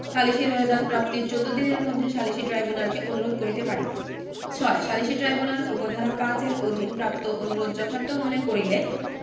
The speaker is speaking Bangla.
সালিসী রোয়েদাদ প্রাপ্তির চৌদ্দ দিনের মধ্যে সালিসী ট্রাইব্যূনালকে অনুরোধ করিতে পারিবে ৬ সালিসী ট্রাইব্যুনাল উপ ধারা ৫ এর অধীন প্রাপ্ত অনুরোধ যথার্থ মনে করিলে